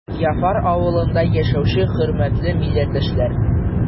Яфар авылында яшәүче хөрмәтле милләттәшләр!